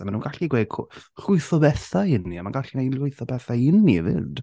A maen nhw'n gallu gweud gwo- chwyth o bethau i ni a maen nhw'n gallu gwneud llwyth o bethau i ni 'fyd.